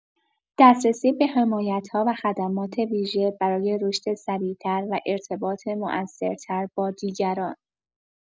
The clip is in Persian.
دسترسی به حمایت‌ها و خدمات ویژه برای رشد سریع‌تر و ارتباط مؤثرتر با دیگران